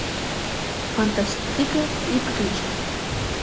фантастика и приключения